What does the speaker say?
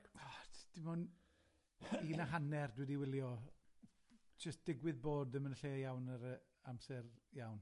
O, t- dim ond un a hanner dwi 'di wylio jyst digwydd bod ddim yn lle iawn ar y amser iawn.